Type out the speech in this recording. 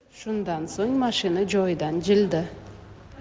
shundan so'ng mashina joyidan jildi